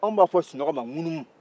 anw b'a fɔ sunɔgɔ ma ŋunumu